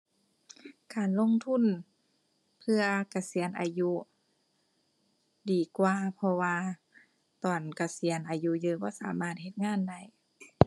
การลงทุนเพื่อเกษียณอายุดีกว่า เพราะว่าตอนเกษียณ อายุเยอะ บ่สามารถเฮ็ดงานได้